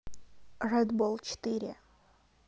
red ball четыре